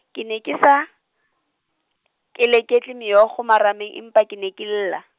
ke ne ke sa , keleketle meokgo marameng, empa ke ne ke lla.